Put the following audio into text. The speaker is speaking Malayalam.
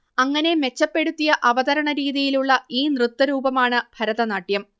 അങ്ങനെ മെച്ചപ്പെടുത്തിയ അവതരണരീതിയിലുള്ള ഈ നൃത്തരൂപമാണ് ഭരതനാട്യം